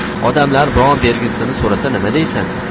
odamlar biron belgisini so'rasa nima deysan